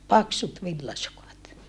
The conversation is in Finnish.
paksut villasukat